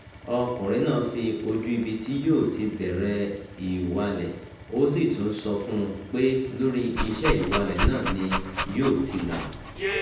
Ọkùnrin náà fi ojú ibi tí yóò ti bẹ̀rẹ̀ ìwalẹ̀, ó sì tún sọ fún un pé lórí iṣẹ́ ìwalẹ̀ náà ni yóò ti là.